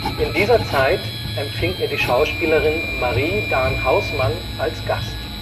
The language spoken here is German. In dieser Zeit empfing er die Schauspielerin Marie Dahn-Hausmann als Gast